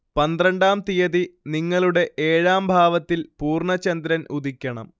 പന്ത്രണ്ടാം തീയതി നിങ്ങളുടെ ഏഴാം ഭാവത്തിൽ പൂർണ ചന്ദ്രൻ ഉദിക്കണം